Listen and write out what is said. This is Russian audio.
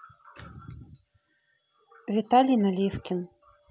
виталий наливкин